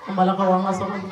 Balakaw an ka sɔrɔ